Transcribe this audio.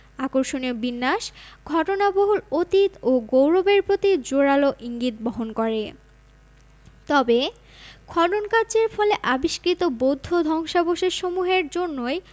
আকর্ষণীয় বিন্যাস ঘটনাবহুল অতীত ও গৌরবের প্রতি জোরালো ইঙ্গিত বহন করে তবে খননকার্যের ফলে আবিষ্কৃত বৌদ্ধ ধ্বংসাবশেষসমূহের জন্যই